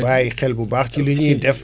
bàyyi xel bu baax ci li ñuy def